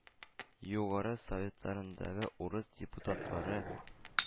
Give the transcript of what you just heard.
Югары Советларындагы урыс депутатлары,